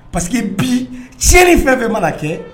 Parce que bii tiɲɛni fɛn-fɛn mana kɛ